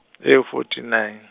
ewu fourty nine.